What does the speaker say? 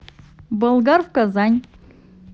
болгар в казань